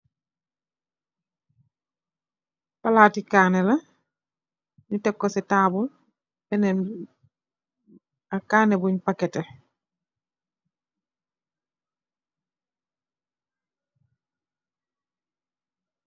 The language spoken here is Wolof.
Palati kanneh la ngi tek ko ci tabul ak kanneh buñ paketeh.